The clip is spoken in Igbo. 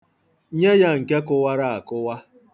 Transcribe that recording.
Nye ya nke kụwara akụwa.